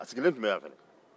a sigilen tun bɛ yan mɛnɛ